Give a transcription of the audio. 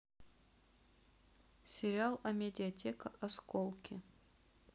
сериал амедиатека осколки